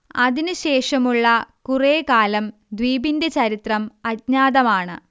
അതിന് ശേഷമുള്ള കുറെ കാലം ദ്വീപിന്റെ ചരിത്രം അജ്ഞാതമാണ്